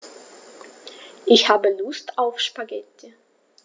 Ich habe Lust auf Spaghetti.